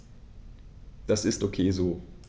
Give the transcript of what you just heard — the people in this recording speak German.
Das ist ok so.